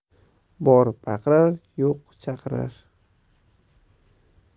bor baqirar yo'q chaqirar